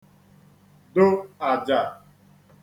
do àjà